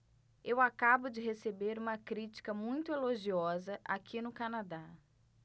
eu acabo de receber uma crítica muito elogiosa aqui no canadá